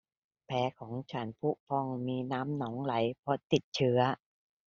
แผลของฉันพุพองมีน้ำหนองไหลเพราะติดเชื้อ